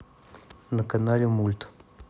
на канале мульт